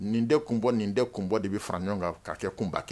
Nin tɛ kun bɔ, nin tɛ kun bɔ de bɛ fara ɲɔgɔn kan ka kɛ kunba k